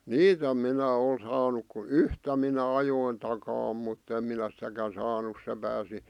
niitä on minä ole saanut kuin yhtä minä ajoin takaa mutta en minä sitäkään saanut se pääsi